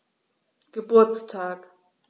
Geburtstag